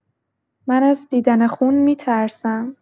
من از دیدن خون می‌ترسم.